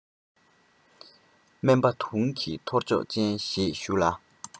སྨན པ དུང གི ཐོར ཅོག ཅན ཞེས ཞུ ལ